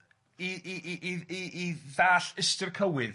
i i i i i i i i ddallt ystyr cywydd,